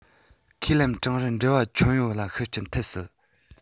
ཁས ལེན ཀྲུང རིའི འབྲེལ བ ཁྱོན ཡོངས ལ ཤུགས རྐྱེན ཐེབས སྲིད